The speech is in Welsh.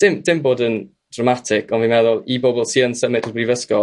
dim, dim bod yn dramatig ond fi'n meddwl i bobol sy' yn symud i brifysgol